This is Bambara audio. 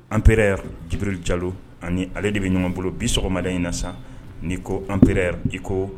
Anpɛ jibiri jalo ani ale de bɛ ɲɔgɔn bolo bi sɔgɔmada in na sa ni ko anɛ iko